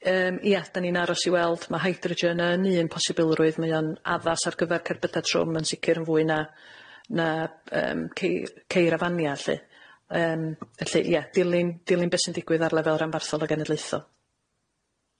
Yym ia 'dan ni'n aros i weld ma' hydrogen yn un posibilrwydd mae o'n addas ar gyfer cerbyda' trwm yn sicr yn fwy na na yym cei- ceir a fania' 'lly yym felly ia dilyn dilyn be' sy'n digwydd ar lefel ranbarthol a genedlaethol.